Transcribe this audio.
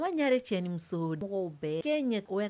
Bamaɲɛre cɛ ni muso dɔgɔ bɛɛ kɛ ɲɛ ORTM